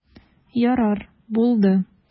Ярар, булды.